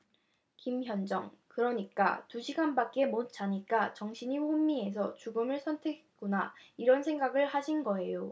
김현정 그러니까 두 시간밖에 못 자니까 정신이 혼미해서 죽음을 선택했구나 이런 생각을 하신 거예요